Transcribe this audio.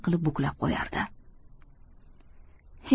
qilib buklab qo'yardi